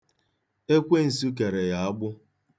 Ekwensu kere ya agbụ.